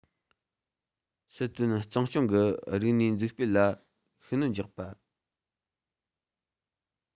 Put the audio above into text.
སྲིད དོན གཙང སྐྱོང གི རིག གནས འཛུགས སྤེལ ལ ཤུགས སྣོན རྒྱག པ